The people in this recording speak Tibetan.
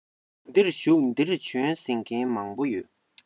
འདིར བཞུགས འདིར བྱོན ཟེར མཁན མང པོ ཡོང